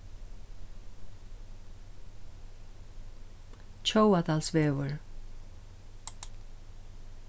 kjóadalsvegur